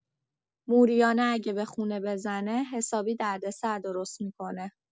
موریانه اگه به خونه بزنه، حسابی دردسر درست می‌کنه.